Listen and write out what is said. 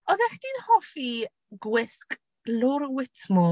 Oeddech chdi'n hoffi gwisg Laura Whitmore?